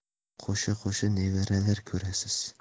qo'sha qo'sha nevaralar ko'rasiz